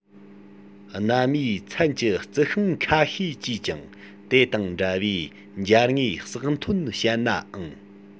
སྣ མའི ཚན གྱི རྩི ཤིང ཁ ཤས ཀྱིས ཀྱང དེ དང འདྲ བའི འབྱར དངོས ཟགས ཐོན བྱེད ནའང